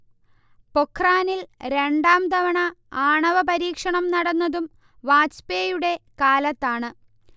പൊഖ്റാനിൽ രണ്ടാംതവണ ആണവ പരീക്ഷണം നടന്നതും വാജ്പേയിയുടെ കാലത്താണ്